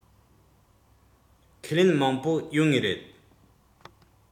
ཁས ལེན མང པོ ཡོད ངེས རེད